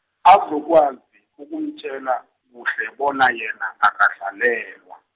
azokwazi ukumtjela, kuhle bona yena akadlalelwa.